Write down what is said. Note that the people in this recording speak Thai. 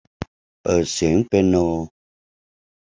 เปิดเสียงเปียโน